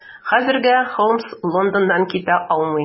Хәзергә Холмс Лондоннан китә алмый.